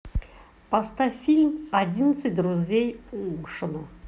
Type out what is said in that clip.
поставь фильм одиннадцать друзей оушена